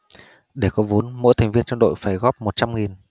để có vốn mỗi thành viên trong đội phải góp một trăm nghìn